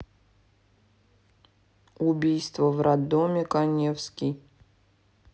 убийство в роддоме каневский